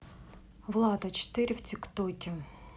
влад а четыре в тик токе